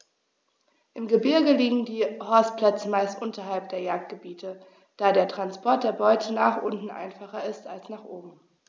Im Gebirge liegen die Horstplätze meist unterhalb der Jagdgebiete, da der Transport der Beute nach unten einfacher ist als nach oben.